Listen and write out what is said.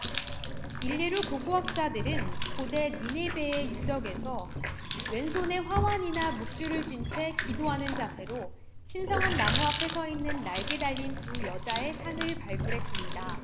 일례로 고고학자들은 고대 니네베의 유적에서 왼 손 에 화환이나 묵주를 쥔 채 기도하는 자세로 신성한 나무 앞에 서 있는 날개 달린 두 여자의 상을 발굴했습니다